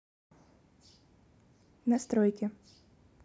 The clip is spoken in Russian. настройки